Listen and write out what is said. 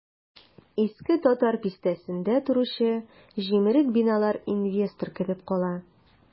Иске татар бистәсендә торучы җимерек биналар инвестор көтеп кала.